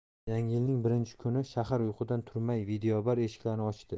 yangi yilning birinchi kuni shahar uyqudan turmay videobar eshiklarini ochdi